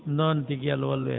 noon tigi yo Allah wallu en